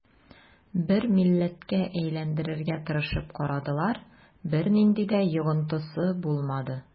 Бер милләткә әйләндерергә тырышып карадылар, бернинди дә йогынтысы булмады.